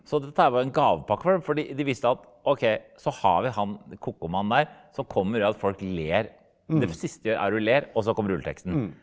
så dette her var en gavepakke for dem fordi de visste at ok så har vi han ko-ko-mannen der som kommer og gjør at folk ler det siste de gjør er å ler og så kommer rulleteksten.